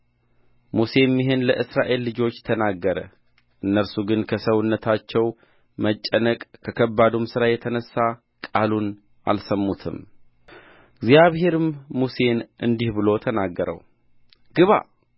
ሙሴም ይህን ለእስራኤል ልጆች ተናገረ እነርሱ ግን ከሰውነታቸው መጨነቅ ከከባዱም ሥራ የተነሣ ቃሉን አልሰሙትም እግዚአብሔርም ሙሴን እንዲህ ብሎ ተናገረው ግባ